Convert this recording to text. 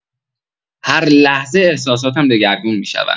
هر لحظه احساساتم دگرگون می‌شوند.